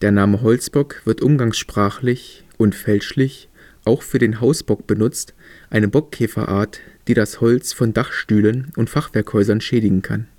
Name Holzbock wird umgangssprachlich (und fälschlich) auch für den Hausbock benutzt, eine Bockkäferart, die das Holz von Dachstühlen und Fachwerkhäusern schädigen kann